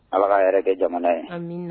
Ala ka hɛrɛ kɛ jamana ye. Amina.